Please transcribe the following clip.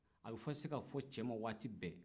a bɛ se ka fɔ cɛ ma waati bɛɛ